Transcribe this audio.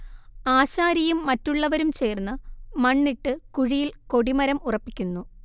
ആശാരിയും മറ്റുള്ളവരും ചേർന്ന് മണ്ണിട്ട് കുഴിയിൽ കൊടിമരം ഉറപ്പിക്കുന്നു